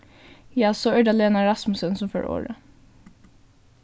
ja so er tað lena rasmussen sum fær orðið